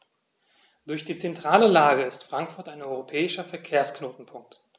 Durch die zentrale Lage ist Frankfurt ein europäischer Verkehrsknotenpunkt.